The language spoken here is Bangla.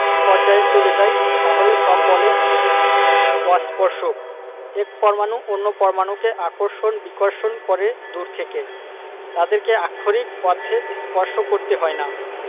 পর্যায়ে চলে যাই তাহলে সব বলই অস্পর্শক এক পরমাণু অন্য পরমাণুকে আকর্ষণ বিকর্ষণ করে দূর থেকে তাদেরকে আক্ষরিক অর্থে স্পর্শ করতে হয় না